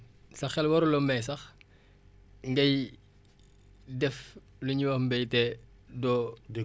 sa xel warula may sax ngay def lu ñuy wax mbéy te doo